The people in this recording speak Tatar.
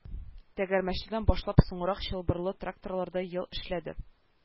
Тәгәрмәчледән башлап соңрак чылбырлы тракторларда ел эшләде